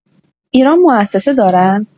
ایران موسسه دارن؟